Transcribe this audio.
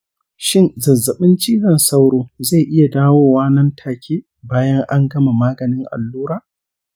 shin zazzabin cizon sauro zai iya dawowa nan take bayan an gama maganin allura?